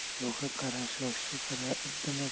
yo'g' e qarish